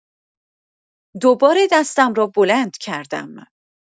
دوباره دستم را بلند کردم.